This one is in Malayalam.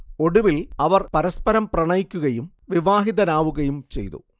ഒടുവിൽ അവർ പരസ്പരം പ്രണയിക്കുകയും വിവാഹിതരാവുകയും ചെയ്തു